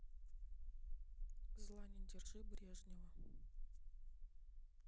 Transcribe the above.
зла не держи брежнева